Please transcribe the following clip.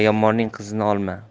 yomonning qizini olma